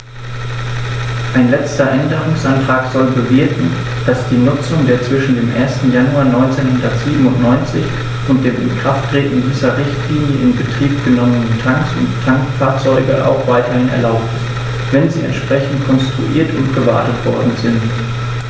Ein letzter Änderungsantrag soll bewirken, dass die Nutzung der zwischen dem 1. Januar 1997 und dem Inkrafttreten dieser Richtlinie in Betrieb genommenen Tanks und Tankfahrzeuge auch weiterhin erlaubt ist, wenn sie entsprechend konstruiert und gewartet worden sind.